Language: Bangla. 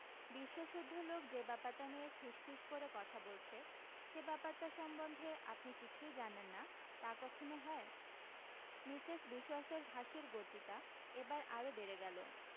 বিশ্বসুদ্ধ লোক যে ব্যাপারটা নিয়ে ফিসফিস করে কথা বলছে সে ব্যাপারটা সম্বন্ধে আপনি কিছুই জানেন না তা কখনো হয় মিসেস বিশোয়াসের হাসির গতিটা এবার আরও বেড়ে গেলো